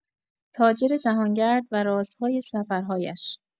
تاجر جهانگرد و رازهای سفرهایش